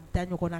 Taa ɲɔgɔn na